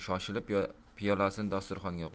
shoshilib piyolasini dasturxonga qo'ydi